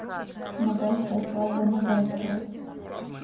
ногайская свадьба ногайская